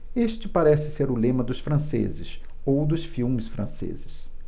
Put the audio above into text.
este parece ser o lema dos franceses ou dos filmes franceses